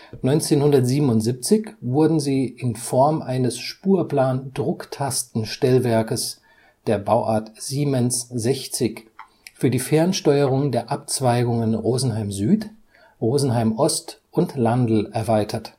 1977 wurden sie in Form eines Spurplandrucktastenstellwerkes der Bauart Siemens 60 für die Fernsteuerung der Abzweigungen Rosenheim Süd, Rosenheim Ost und Landl erweitert